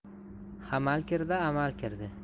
hamal kirdi amal kirdi